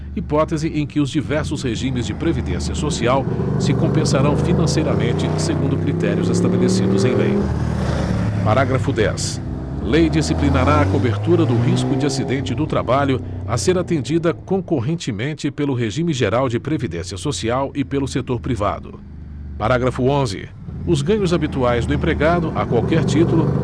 hipótese em que os diversos regimes de previdência social se compensarão financeiramente segundo critérios estabelecidos em lei parágrafo dez lei disciplinará a cobertura do risco de acidente do trabalho a ser atendida concorrentemente pelo regime geral de previdência social e pelo setor privado parágrafo onze os ganhos habituais do empregado a qualquer título